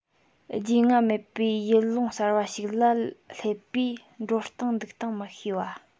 རྒྱུས མངའ མེད པའི ཡུལ ལུང གསར པ ཞིག ལ སླེབས པས འགྲོ སྟངས འདུག སྟངས མི ཤེས པ